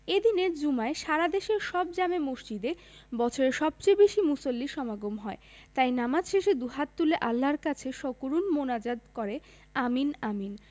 এ দিনের জুমায় সারা দেশের সব জামে মসজিদে বছরের সবচেয়ে বেশি মুসল্লির সমাগম হয় তাই নামাজ শেষে দুহাত তুলে আল্লার কাছে সকরুণ মোনাজাত করে আমিন আমিন